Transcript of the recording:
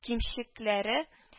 Кимчекләре